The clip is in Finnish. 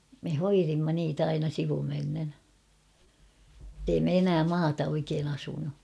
me hoidimme niitä aina sivumennen että ei me enää maata oikein asunut